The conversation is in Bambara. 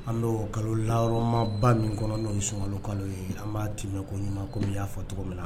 An b'o kalo lahɔrɔma ba min kɔnɔ n'o sunkalo kalo ye ,an b'a tiimɛ ko ɲuman comme i y'a fɔ cɔgɔ min na